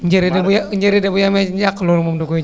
Njere de bu yemee ci njaq loolu moom da koy